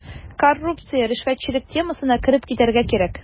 Коррупция, ришвәтчелек темасына кереп китәргә кирәк.